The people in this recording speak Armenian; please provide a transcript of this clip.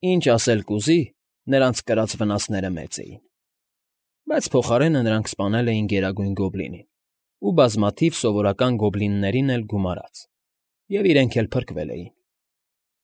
Ինչ ասել կուզի, նրանց կրած վնասները մեծ էին, բայց փոխարենը նրանք սպանել էին Գերագույն Գոբլինին ու բազմաթիվ սովորական գոբլիններին էլ գումարած և իրենք էլ փրկվել էին։